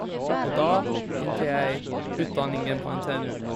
Og da begynte jeg utdanningen på NTNU.